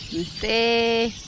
nse